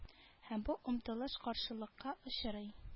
Һәм бу омтылыш каршылыкка очрый